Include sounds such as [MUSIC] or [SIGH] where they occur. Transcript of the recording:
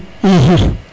[HESITATION] [HESITATION]